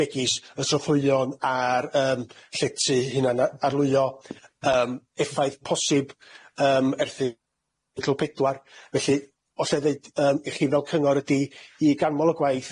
megis y trothwyon ar yym lle ti hunan a- arlwyo yym effaith posib yym erthu -gyl pedwar felly os e ddeud yym i chi fel cyngor ydi i ganmol y gwaith,